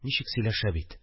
Ничек сөйләшә бит